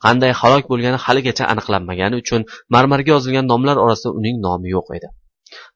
qanday halok bo'lgani haligacha aniqlanmagani uchun marmarga yozilgan nomlar orasida uning nomi yo'q edi